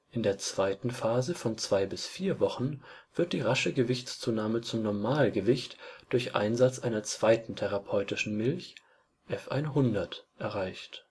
In der zweiten Phase von zwei bis vier Wochen wird die rasche Gewichtszunahme zum Normalgewicht durch Einsatz einer zweiten therapeutischen Milch (F100) erreicht